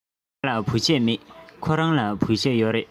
ང ལ བོད ཆས མེད ཁོ ལ བོད ཆས འདུག